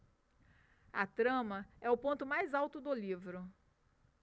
a trama é o ponto mais alto do livro